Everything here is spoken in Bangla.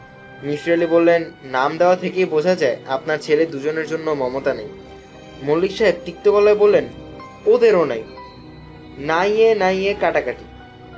মিসির আলি বললেন নাম দেয়া থেকেই বোঝা যায় আপনার ছেলে দুজনের জন্য মমতা নাই মল্লিক তিক্ত গলায় বললেন ওদেরও নাই নাই এ নাই এ কাটাকাটি